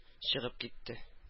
Чыгып китте